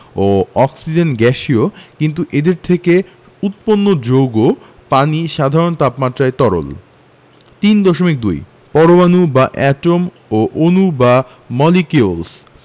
ও oxygen গ্যাসীয় কিন্তু এদের থেকে উৎপন্ন যৌগ পানি সাধারণ তাপমাত্রায় তরল 3.2 পরমাণু বা এটম ও অণু বা মলিকিউলস